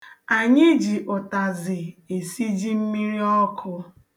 Anyị ji ụtazị esi ji mmiriọkụ.